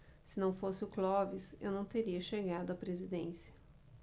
se não fosse o clóvis eu não teria chegado à presidência